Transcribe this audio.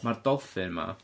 Mae'r dolphin 'ma...